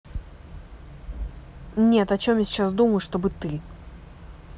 нет о чем я сейчас думаю чтобы ты